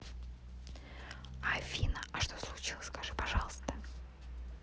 афина а что случилось скажи пожалуйста